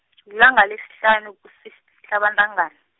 lilanga lesihlanu, kuSihlabantangana.